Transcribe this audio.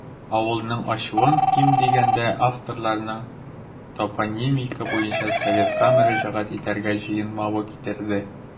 Аларның ачуын, ким дигәндә, авторларның топонимика буенча советка мөрәҗәгать итәргә җыенмавы китерде.